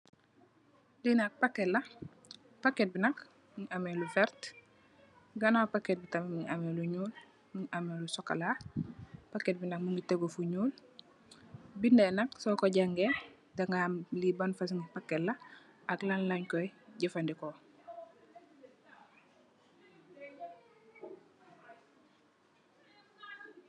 Li nak pakèt la, pakèt bi nak mungi ameh lu vert, ganaaw pakèt bi tamit mungi ameh lu ñuul, mungi ameh lu sokola. Pakèt bi nak mungi tégu fu ñuul. Binda yi nak soko jàngay daga ham li ban fasung pakèt la ak lan leen koy jafadeko.